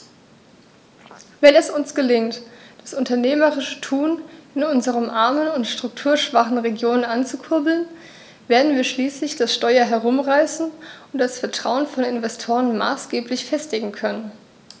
Wenn es uns gelingt, das unternehmerische Tun in unseren armen und strukturschwachen Regionen anzukurbeln, werden wir schließlich das Steuer herumreißen und das Vertrauen von Investoren maßgeblich festigen können.